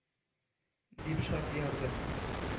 – дип шар ярды